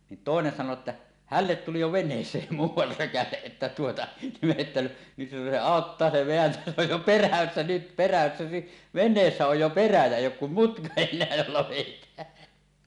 niin toinen sanoi että hänelle tuli jo veneeseen muuan rökäle että tuota me että nyt se auttaa se vääntää se on jo perässä nyt perässä niin veneessä on jo perä ja ei ole kuin mutka enää jolla vedetään